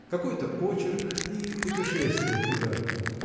какой-то очерк и путешествие куда-то.